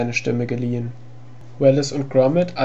Stimme geliehen. Wallace & Gromit